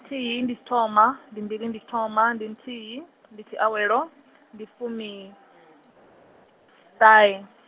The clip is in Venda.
thihi ndi tshithoma, ndi mbili ndi tshithoma, ndi nthihi , ndi tshiawelo, ndi fumiṱahe.